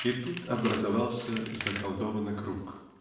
И тут образовался заколдованный круг.